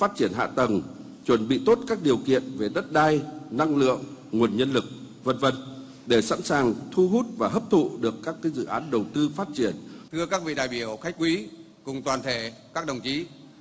phát triển hạ tầng chuẩn bị tốt các điều kiện về đất đai năng lượng nguồn nhân lực vân vân để sẵn sàng thu hút và hấp thụ được các dự án đầu tư phát triển thưa các vị đại biểu khách quý cùng toàn thể các đồng chí